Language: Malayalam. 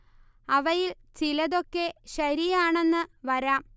അവയിൽ ചിലതൊക്കെ ശരിയാണെന്ന് വരാം